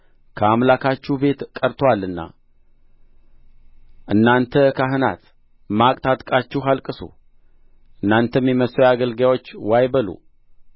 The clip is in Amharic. ከአምላካችሁ ቤት ቀርቶአልና እናንተ ካህናት ማቅ ታጥቃችሁ አልቅሱ እናንተም የመሠዊያ አገልጋዮች ዋይ በሉ